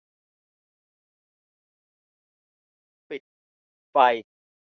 ปิดไฟ